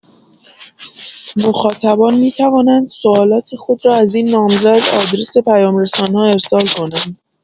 مخاطبان می‌توانند سوالات خود را از این نامزد آدرس پیام‌رسان‌ها ارسال کنند.